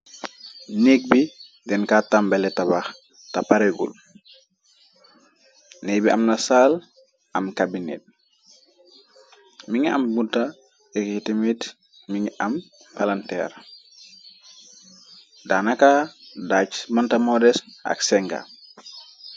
Neeg bi denka tambale tabax te paregul neeg bi am na saal am kabinet mongi am bunta egitemit mongi am palanteer daanaka daaj banta modes ak senga.